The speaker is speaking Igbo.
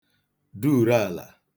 duùru àlà